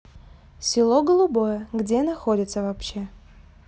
село голубое где находится вообще